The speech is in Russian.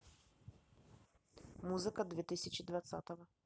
музыка две тысячи двадцатого